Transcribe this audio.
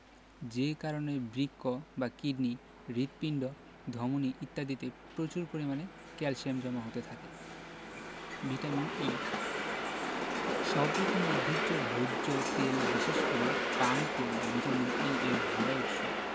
যে কারণে বৃক্ক বা কিডনি হৃৎপিণ্ড ধমনি ইত্যাদিতে প্রচুর পরিমাণে ক্যালসিয়াম জমা হতে থাকে ভিটামিন E সব রকম উদ্ভিজ্জ ভোজ্য তেল বিশেষ করে পাম তেল ভিটামিন E এর ভালো উৎস